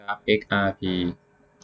กราฟเอ็กอาร์พี